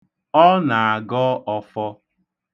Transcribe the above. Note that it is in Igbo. Ọ na-agọ ọfọ.